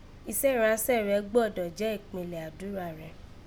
Isẹ́ ìránṣẹ́ rẹ gbọ́dọ̀ jẹ́ ìkpínlẹ̀ àdúrà rẹ